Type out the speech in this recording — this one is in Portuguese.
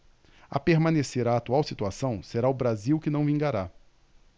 a permanecer a atual situação será o brasil que não vingará